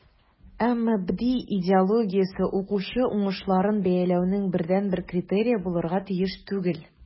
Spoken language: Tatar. Әмма БДИ идеологиясе укучы уңышларын бәяләүнең бердәнбер критерие булырга тиеш түгел.